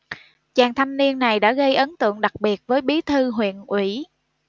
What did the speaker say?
chàng thanh niên này đã gây ấn tượng đặc biệt với bí thư huyện ủy